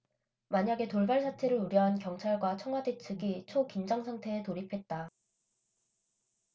만약의 돌발 사태를 우려한 경찰과 청와대 측이 초긴장상태에 돌입했다